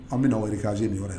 An bɛ na wari k'z nin yɔrɔ dɛ